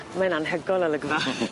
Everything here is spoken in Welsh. Mae'n anhygoel olygfa.